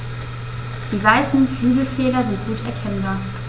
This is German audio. Die weißen Flügelfelder sind gut erkennbar.